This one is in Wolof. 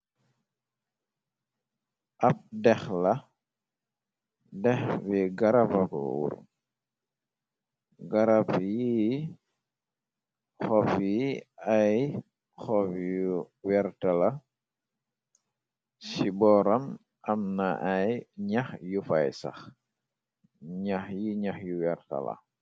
Ap dex la, dex bi garaba ko worr, garab yi xof yi ay xof yu werti la. Ci boram am na ay ñyax yu fay sax, ñyax yi ñyax yu wertala.